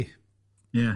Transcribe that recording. Ie.